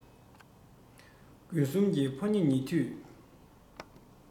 དགུན གསུམ གྱི ཕོ ཉ ཉེ དུས